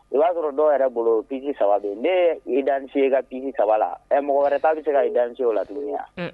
O b'a sɔrɔ dɔw yɛrɛ bolo bisi saba bɛ ne ye dan ye ka p saba ɛ mɔgɔ wɛrɛ'a bɛ se ka' dan o la tuguniya